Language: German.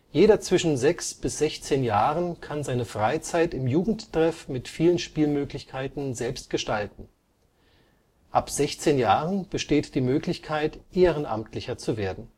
Jeder zwischen sechs bis sechzehn Jahren kann seine Freizeit im Jugendtreff mit vielen Spielmöglichkeiten selbst gestalten. Ab 16 Jahren besteht die Möglichkeit Ehrenamtlicher zu werden